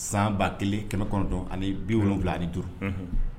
San ba kelen kɛmɛ kɔnɔntɔn ani bi wolonwula ani duuru